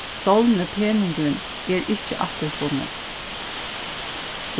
stolni peningurin er ikki afturfunnin